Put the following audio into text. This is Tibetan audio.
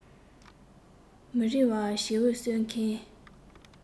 མི རིང བར བྱིའུ གསོད མཁན